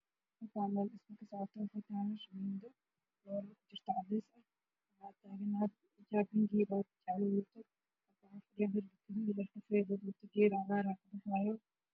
Waa shamiito midabkeedu yahay madow maamo agtaagan